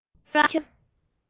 གལ ཏེ ཁྱོད རང